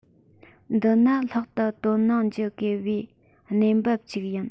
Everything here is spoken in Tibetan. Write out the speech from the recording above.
འདི ནི ལྷག ཏུ དོ སྣང བགྱི དགོས པའི གནས བབ ཅིག ཡིན